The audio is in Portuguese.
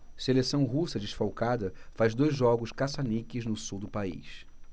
seleção russa desfalcada faz dois jogos caça-níqueis no sul do país